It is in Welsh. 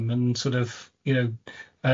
yn sor' of, you know, yn